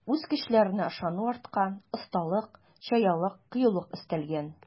Үз көчләренә ышану арткан, осталык, чаялык, кыюлык өстәлгән.